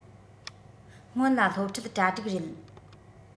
སྔོན ལ སློབ ཁྲིད གྲ སྒྲིག རེད